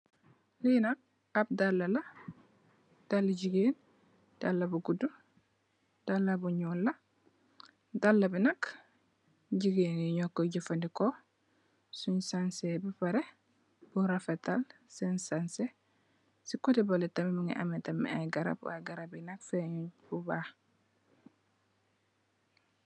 Lii nak ahb daalah la, daali gigain, daalah bu gudu, daalah bu njull la, daalah bii nak gigain njee njur koi jeufandehkor sungh sanseh beh pareh pur rafetal sehn sanseh, cii coteh behleh tamit mungy ameh tamit aiiy garab, yy garab yii nak fengh njut bubakh.